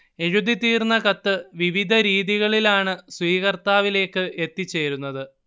എഴുതിത്തീർന്ന കത്ത് വിവിധ രീതികളിലാണ് സ്വീകർത്താവിലേക്ക് എത്തിച്ചേരുന്നത്